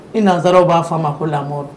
Ni nanzsaraw b'a fɔ a ma ko la mort